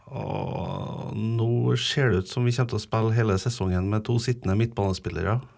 og nå ser det ut som vi kommer til å spelle hele sesongen med to sittende midtbanespillere.